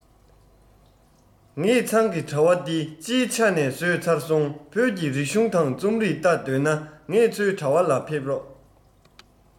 ངེད ཚང གི དྲ བ འདི སྤྱིའི ཆ ནས བཟོས ཚར སོང བོད ཀྱི རིག གཞུང དང རྩོམ རིག བལྟ འདོད ན ངེད ཚོའི དྲ བ ལ ཕེབས རོགས